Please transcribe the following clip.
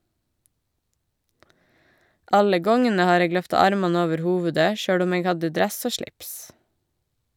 Alle gongene har eg løfta armane over hovudet, sjølv om eg hadde dress og slips.